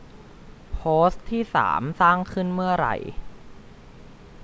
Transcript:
โพสต์ที่สามสร้างขึ้นเมื่อไร